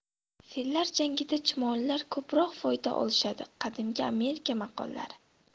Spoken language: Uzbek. fillar jangida chumolilar ko'proq foyda olishadi qadimgi amerika maqollari